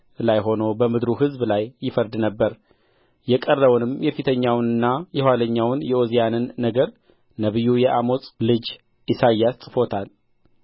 ላይ ሆኖ በምድሩ ሕዝብ ላይ ይፈርድ ነበር የቀረውንም የፊተኛውንና የኋለኛውን የዖዝያንን ነገር ነቢዩ የአሞጽ ልጅ ኢሳይያስ ጽፎታል